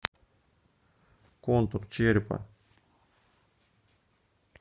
контур черепа